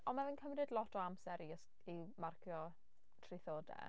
Ond mae fe'n cymryd lot o amser i ys- i marcio traethodau.